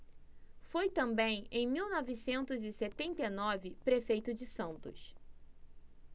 foi também em mil novecentos e setenta e nove prefeito de santos